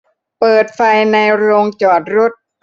เปิดไฟในโรงจอดรถ